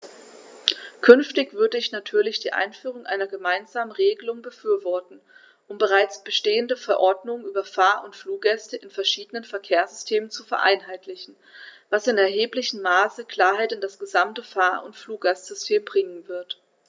Künftig würde ich natürlich die Einführung einer gemeinsamen Regelung befürworten, um bereits bestehende Verordnungen über Fahr- oder Fluggäste in verschiedenen Verkehrssystemen zu vereinheitlichen, was in erheblichem Maße Klarheit in das gesamte Fahr- oder Fluggastsystem bringen wird.